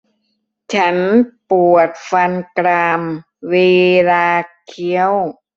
ฉันปวดฟันกรามเวลาเคี้ยว